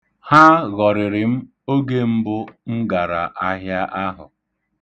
Ha ghọrịrị m oge mbụ m gara ahịa ahụ.